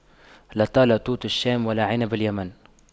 لا طال توت الشام ولا عنب اليمن